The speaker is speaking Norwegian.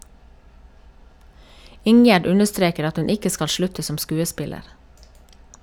Ingjerd understreker at hun ikke skal slutte som skuespiller.